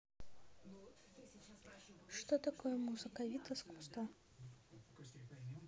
что такое музыка вид искусства